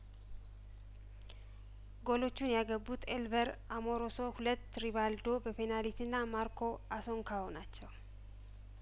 ጐሎቹን ያገቡት ኤል በር አሞሮሶ ሁለት ሪቫልዶ በፔናልቲና ማርኮ አሱንካኦ ናቸው